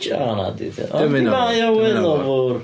O na 'di... yndi mae o weddol fawr.